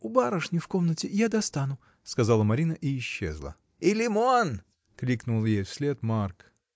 — У барышни в комнате: я достану, — сказала Марина и исчезла. — И лимон! — крикнул ей вслед Марк.